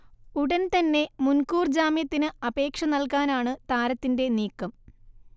ഉടൻ തന്നെ മുൻകൂർ ജാമ്യത്തിന് അപേക്ഷ നൽകാനാണ് താരത്തിന്റെ നീക്കം